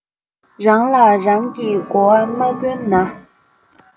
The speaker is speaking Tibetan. རང ལ རང གིས གོ བ མ བསྐོན ན